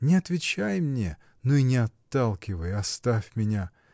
Не отвечай мне, но и не отталкивай, оставь меня.